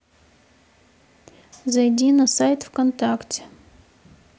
зайди на сайт вконтакте